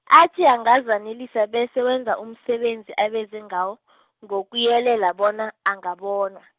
athi angazanelisa bese wenza umsebenzi abeze ngawo , ngokuyelela bona, angabonwa.